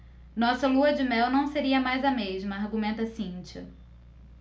nossa lua-de-mel não seria mais a mesma argumenta cíntia